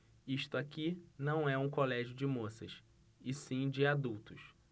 isto aqui não é um colégio de moças e sim de adultos